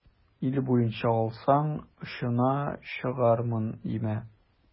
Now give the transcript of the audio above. Ил буенча алсаң, очына чыгармын димә.